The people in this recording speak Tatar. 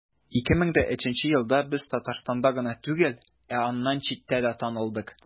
2003 елда без татарстанда гына түгел, ә аннан читтә дә танылдык.